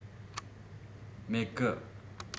མེད གི